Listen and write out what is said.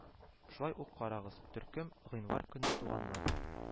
Шулай ук карагыз: Төркем:гыйнвар көнне туганнар